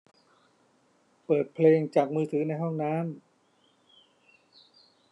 เปิดเพลงจากมือถือในห้องน้ำ